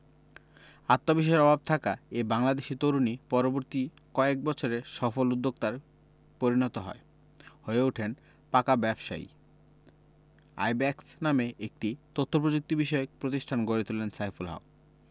আত্মবিশ্বাসের অভাব থাকা এই বাংলাদেশি তরুণই পরবর্তী কয়েক বছরে সফল উদ্যোক্তায় পরিণত হন হয়ে ওঠেন পাকা ব্যবসায়ী আইব্যাকস নামে একটি তথ্যপ্রযুক্তিবিষয়ক প্রতিষ্ঠান গড়ে তোলেন সাইফুল হক